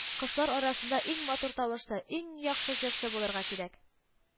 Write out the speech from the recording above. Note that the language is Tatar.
Кошлар арасында иң матур тавышлы, иң яхшы җырчы булырга кирәк